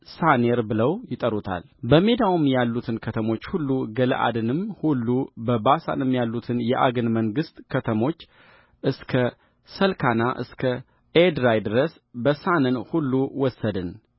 ሳኔር ብለው ይጠሩታልበሜዳውም ያሉትን ከተሞች ሁሉ ገለዓድንም ሁሉ በባሳንም ያሉትን የዐግን መንግሥት ከተሞች እስከ ሰልካና እስከ ኤድራይ ድረስ ባሳንን ሁሉ ወሰድን